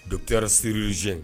Don kɛra szye